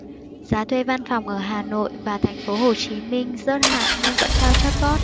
giá thuê văn phòng ở hà nội và thành phố hồ chí minh rớt hạng nhưng vẫn cao chót vót